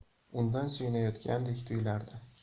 undan suyunayotgandek tuyulardi